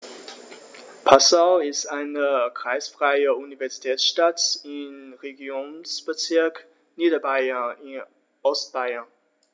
Passau ist eine kreisfreie Universitätsstadt im Regierungsbezirk Niederbayern in Ostbayern.